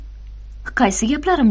qaysi gaplarim